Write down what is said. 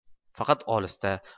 faqat olisda